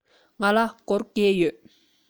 ང ལ སྒོར བརྒྱད ཡོད